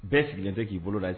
Bɛɛ sigilen tɛ k'i bolo la